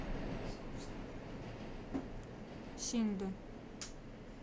синда